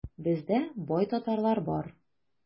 Бездә бай татарлар бар.